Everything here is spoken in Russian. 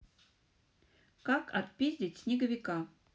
как отпиздить снеговика